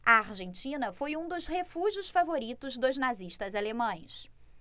a argentina foi um dos refúgios favoritos dos nazistas alemães